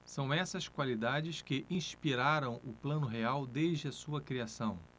são essas qualidades que inspiraram o plano real desde a sua criação